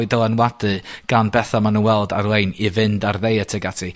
eu dylanwadu gan betha ma' nw weld ar-lein i fynd a'r ddiet ag ati.